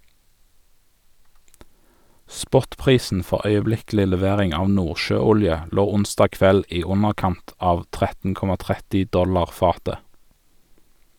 Spot-prisen for øyeblikkelig levering av nordsjøolje lå onsdag kveld i underkant av 13,30 dollar fatet.